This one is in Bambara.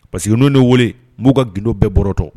Parce que no de weele b'u ka gdo bɛɛ bɔtɔ